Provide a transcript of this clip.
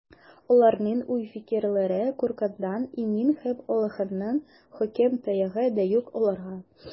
Аларның уй-фикерләре куркудан имин, һәм Аллаһының хөкем таягы да юк аларга.